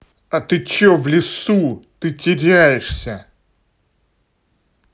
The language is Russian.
а ты че в лесу ты теряешься